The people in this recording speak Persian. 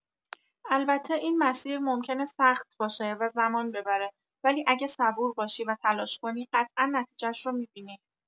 البته این مسیر ممکنه سخت باشه و زمان ببره، ولی اگه صبور باشی و تلاش کنی، قطعا نتیجه‌اش رو می‌بینی.